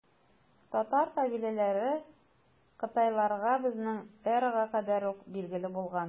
Татар кабиләләре кытайларга безнең эрага кадәр үк билгеле булган.